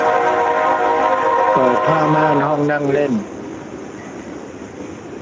เปิดผ้าม่านห้องนั่งเล่น